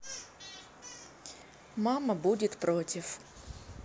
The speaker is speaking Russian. мама будет против